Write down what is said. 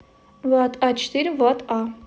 влад а четыре влад а